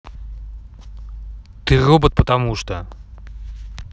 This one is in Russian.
ты робот потому что